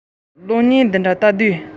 མི དག གིས སྒྲུང གཏམ དང